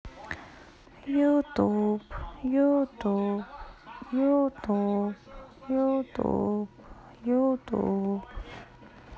ютуб ютуб ютуб ютуб ютуб